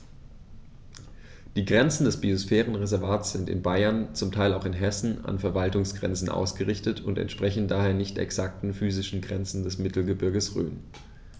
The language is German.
Die Grenzen des Biosphärenreservates sind in Bayern, zum Teil auch in Hessen, an Verwaltungsgrenzen ausgerichtet und entsprechen daher nicht exakten physischen Grenzen des Mittelgebirges Rhön.